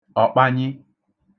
ọ̀kpanyị